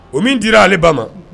O min dira ale ba ma